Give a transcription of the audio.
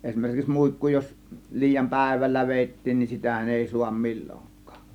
esimerkiksi muikku jos liian päivällä vedettiin niin sitähän ei saa milloinkaan